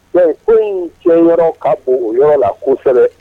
Mais ko in cɛ yɔrɔ ka bon oyɔ la kosɛbɛ